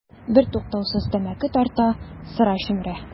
Бертуктаусыз тәмәке тарта, сыра чөмерә.